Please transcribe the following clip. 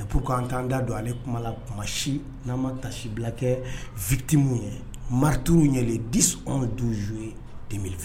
pourquoi an t'an da don ale kuma la tuma si n'an ma taasibila kɛ victimes ye martyrs ye le 10 11 12 juillet 202